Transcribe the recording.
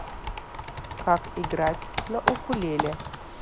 как играть на укулеле